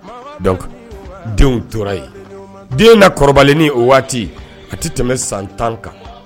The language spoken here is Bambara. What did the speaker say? Denw tora yen den na kɔrɔbalennin o waati a tɛ tɛmɛ bɛ san tan kan